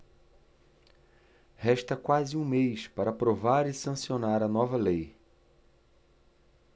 resta quase um mês para aprovar e sancionar a nova lei